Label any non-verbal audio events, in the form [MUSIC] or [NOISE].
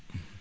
[HESITATION] [HESITATION]